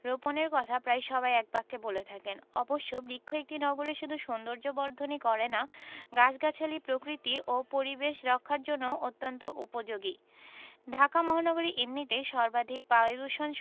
রোপণের কথা প্রায় সবাই একবাক্যে বলে থাকেন অবশ্য বৃক্ষ একটি নগরীর শুধু সৌন্দর্যবর্ধনই করে না গাছগাছালি প্রকৃতি ও পরিবেশ রক্ষার জন্যও অত্যন্ত উপযোগী ঢাকা মহানগরী এমনিতেই সর্বাধিক বায়ুদূষণ